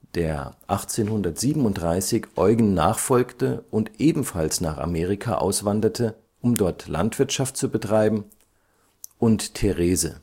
der 1837 Eugen nachfolgte und ebenfalls nach Amerika auswanderte, um dort Landwirtschaft zu betreiben, und Therese